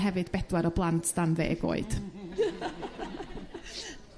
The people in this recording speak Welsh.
hefyd bedwar o blant dan ddeg oed.